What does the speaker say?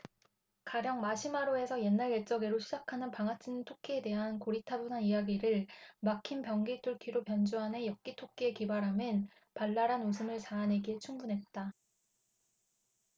가령 마시마로 에서 옛날 옛적에 로 시작하는 방아 찧는 토끼에 대한 고리타분한 이야기를 막힌 변기뚫기로 변주하는 엽기토끼의 기발함은 발랄한 웃음을 자아내기에 충분했다